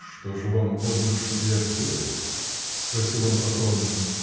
— Что же вам угодно, чтоб я сделал? — спросил он покорно.